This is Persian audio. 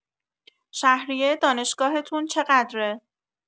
شهریه دانشگاهتون چقدره؟